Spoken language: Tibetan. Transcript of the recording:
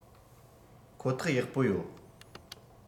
ཁོ ཐག ཡག པོ ཡོད